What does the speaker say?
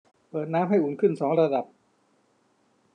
เปิดน้ำให้อุ่นขึ้นสองระดับ